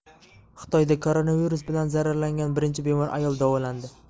xitoyda koronavirus bilan zararlangan birinchi bemor ayol davolandi